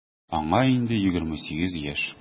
Аңа инде 28 яшь.